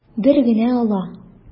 Бер генә ала.